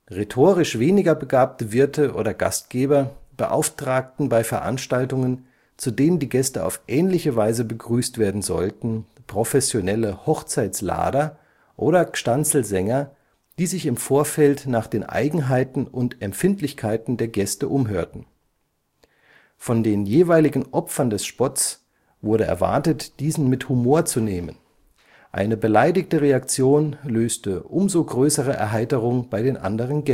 Rhetorisch weniger begabte Wirte oder Gastgeber beauftragten bei Veranstaltungen, zu denen die Gäste auf ähnliche Weise begrüßt werden sollten, professionelle Hochzeitslader oder Gstanzlsänger, die sich im Vorfeld nach den Eigenheiten und Empfindlichkeiten der Gäste umhörten. Von den jeweiligen Opfern des Spotts wurde erwartet, diesen mit Humor zu nehmen; eine beleidigte Reaktion löste umso größere Erheiterung bei den anderen